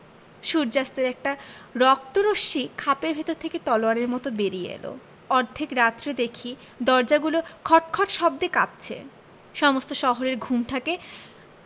সূর্য্যাস্তের একটা রক্ত রশ্মি খাপের ভেতর থেকে তলোয়ারের মত বেরিয়ে এল অর্ধেক রাত্রে দেখি দরজাগুলো খটখট শব্দে কাঁপছে সমস্ত শহরের ঘুমঠাকে